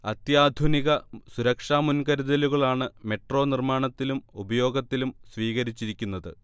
അത്യാധുനിക സുരക്ഷാ മുൻകരുതലുകളാണ് മെട്രോ നിർമ്മാണത്തിലും ഉപയോഗത്തിലും സ്വീകരിച്ചിരിക്കുന്നത്